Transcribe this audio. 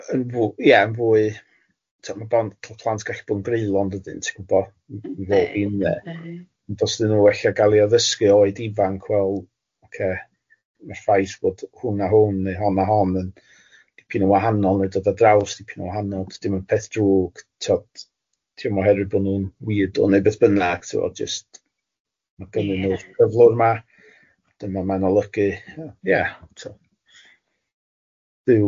Yn fwy ie yn fwy, tibod ma plant gallu bod yn greulon dydyn ti'n gwybo fel fi ynde... Yndyn, yndyn. ...ond os ydyn nhw ella yn gallu addysgu oed ifanc wel ocê ma'r ffaith bod hwn a hwn neu hon a hon yn dipyn yn wahanol neu dod ar draws dipyn yn wahanol, tibod dim yn peth drwg tibod timo oherwydd bod nhw'n weirdo neu beth bynnag tibod jyst, ma' gennyn nhw'r cyflwr ma a dyma ma'n olygu ie tibod byw. Ie.